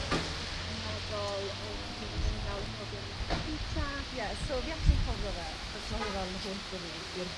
atgof penodol o pryd wnes di ga'l y profiad am y tro cynta? Ie so fi actually'n cofio fe achos ma fe fel yn haunto fi i'r